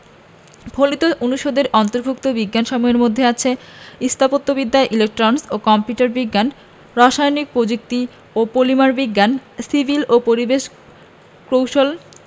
ফলিত বিজ্ঞান অনুষদের অন্তর্ভুক্ত বিভাগসমূহের মধ্যে আছে স্থাপত্যবিদ্যা ইলেকট্রনিক্স ও কম্পিউটার বিজ্ঞান রাসায়নিক প্রযুক্তি ও পলিমার বিজ্ঞান সিভিল ও পরিবেশ কৌশল